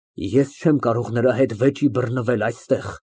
Ես չեմ կարող նրա հետ վեճի բռնվել այստեղ։